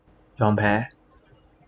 ยอมแพ้